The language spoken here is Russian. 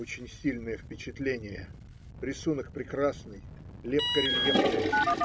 Очень сильное впечатление. Рисунок прекрасный. Лепка рельефная.